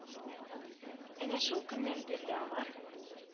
Әнә шул көннән бирле алар